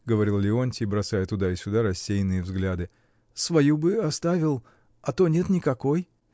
— говорил Леонтий, бросая туда и сюда рассеянные взгляды, — свою бы оставил, а то нет никакой.